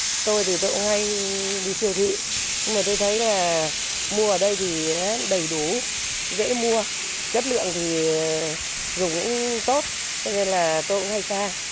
tôi thì tôi cũng hay đi siêu thị nhưng mà tôi thấy là mua ở đây thì đầy đủ dễ mua chất lượng thì dùng cũng tốt cho nên là tôi cũng hay sang